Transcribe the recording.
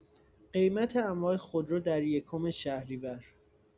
قیمت انواع خودرو در یکم شهریور